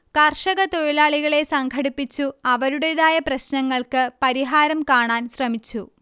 കർഷകതൊഴിലാളികളെ സംഘടിപ്പിച്ചു അവരുടേതായ പ്രശ്നങ്ങൾക്ക് പരിഹാരം കാണാൻ ശ്രമിച്ചു